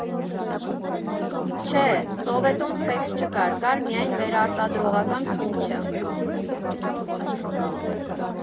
Չէ, սովետում սեքս չկար, կար միայն վերարտադրողական ֆունկցիա։